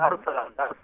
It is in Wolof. Daarou Salaam Daarou Sa